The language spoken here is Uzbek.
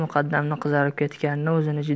muqaddamning qizarib ketganini